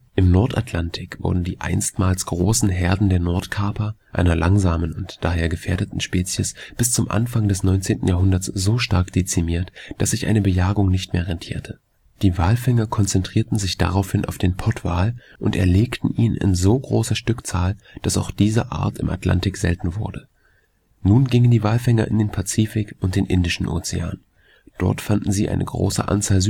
Im Nordatlantik wurden die einstmals großen Herden der Nordkaper, einer langsamen und daher gefährdeten Spezies, bis zum Anfang des 19. Jahrhunderts so stark dezimiert, dass sich eine Bejagung nicht mehr rentierte. Die Walfänger konzentrierten sich daraufhin auf den Pottwal und erlegten ihn in so großer Stückzahl, dass auch diese Art im Atlantik selten wurde. Nun gingen die Walfänger in den Pazifik und den Indischen Ozean. Dort fanden sie eine große Anzahl